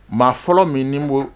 Maa fɔlɔ min bolo